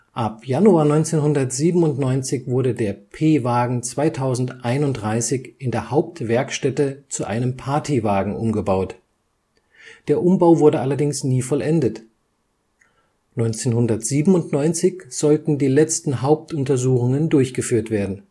Ab Januar 1997 wurde der P-Wagen 2031 in der Hauptwerkstätte zu einem Partywagen umgebaut. Der Umbau wurde allerdings nie vollendet. 1997 sollten die letzten Hauptuntersuchungen durchgeführt werden